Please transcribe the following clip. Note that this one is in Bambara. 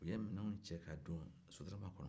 u ye minɛnw cɛ ka don sotarama kɔnɔ